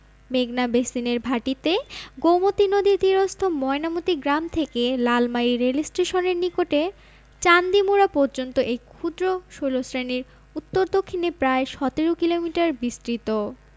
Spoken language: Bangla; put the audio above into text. মেঘনা বেসিনের ভাটিতে গোমতী নদী তীরস্থ ময়নামতী গ্রাম থেকে লালমাই রেলস্টেশনের নিকটে চান্দিমুরা পর্যন্ত এই ক্ষুদ্র শৈলশ্রেণি উত্তর দক্ষিণে প্রায় ১৭ কিলোমিটার বিস্তৃত